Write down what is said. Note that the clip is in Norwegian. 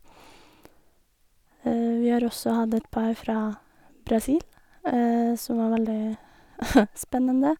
Vi har også hatt et par fra Brasil, som var veldig spennende.